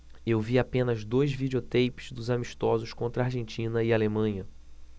eu vi apenas dois videoteipes dos amistosos contra argentina e alemanha